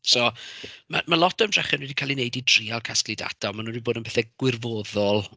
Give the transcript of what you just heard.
So, ma' ma' lot o ymdrechion wedi cael eu wneud i trial casglu data ond ma nhw wedi bod yn bethe gwirfoddol.